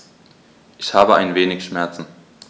Ich habe ein wenig Schmerzen.